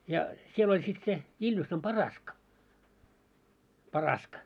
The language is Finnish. ja siellä oli sitten se Iljusan Paraska Paraska